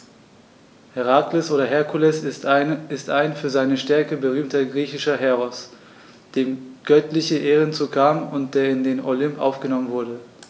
Herakles oder Herkules ist ein für seine Stärke berühmter griechischer Heros, dem göttliche Ehren zukamen und der in den Olymp aufgenommen wurde.